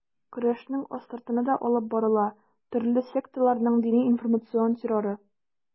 Көрәшнең астыртыны да алып барыла: төрле секталарның дини-информацион терроры.